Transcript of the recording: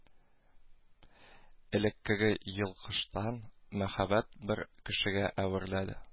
Элеккеге йолкыштан мәһабәт бер кешегә әверләде